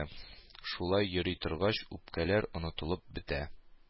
Шулай йөри торгач үпкәләр онытылып бетә.